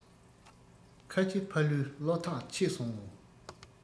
ཁ ཆེ ཕ ལུའི བློ ཐག ཆོད སོང ངོ